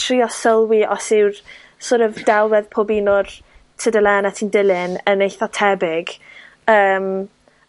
trio sylwi os yw'r sor' of delwedd pob un o'r tudalenne ti'n dilyn yn eitha tebyg, yym,